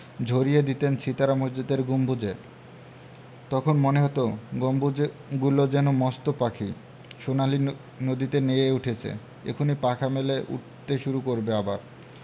ঝরিয়ে দিতেন সিতারা মসজিদের গম্বুজে তখন মনে হতো গম্বুজগুলো যেন মস্ত পাখি সোনালি নদীতে নেয়ে উঠেছে এক্ষুনি পাখা মেলে উড়তে শুরু করবে আবার